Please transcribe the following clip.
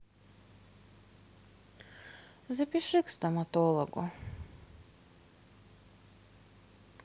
запиши к стоматологу